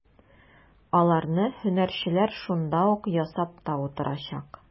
Аларны һөнәрчеләр шунда ук ясап та утырачак.